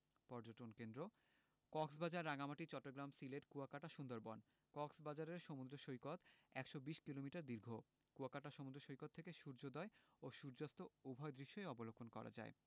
পর্যটন কেন্দ্রঃ কক্সবাজার রাঙ্গামাটি চট্টগ্রাম সিলেট কুয়াকাটা সুন্দরবন কক্সবাজারের সমুদ্র সৈকত ১২০ কিলোমিটার দীর্ঘ কুয়াকাটা সমুদ্র সৈকত থেকে সূর্যোদয় ও সূর্যাস্ত উভয় দৃশ্যই অবলোকন করা যায়